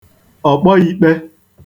ọ̀kpọīkpē